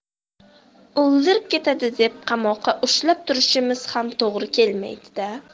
o'ldirib ketadi deb qamoqda ushlab turishimiz ham to'g'ri kelmaydida